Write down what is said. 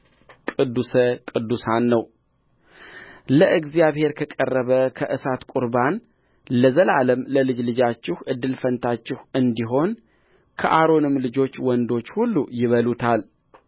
ቅዱስ ቅዱሳን ነውለእግዚአብሔር ከቀረበ ከእሳት ቍርባን ለዘላለም ለልጅ ልጃችሁ እድል ፈንታቸው እንዲሆን ከአሮን ልጆች ወንዶቹ ሁሉ ይበሉታል